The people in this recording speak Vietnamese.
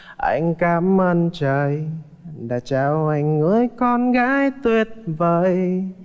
anh cảm ơn trời đã trao anh người con gái tuyệt vời